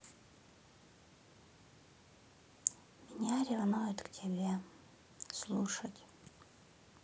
меня ревнует к тебе слушать